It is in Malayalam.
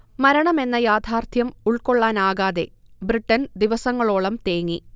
മരണമെന്ന യാഥാർഥ്യം ഉൾക്കൊള്ളാനാകാതെ, ബ്രിട്ടൻ ദിവസങ്ങളോളം തേങ്ങി